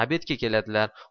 obedga keladilar